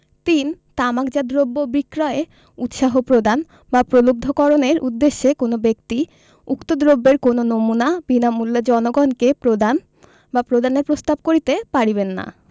৩ তামাকজাত দ্রব্য বিক্রয়ে উৎসাহ প্রদান বা প্রলুব্ধকরণের উদ্দেশ্যে কোন ব্যক্তি উক্ত দ্রব্যের কোন নমুনা বিনামূল্যে জনগণকে প্রদান বা প্রদানের প্রস্তাব করিতে পারিবেন না